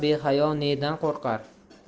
behayo nedan qo'rqar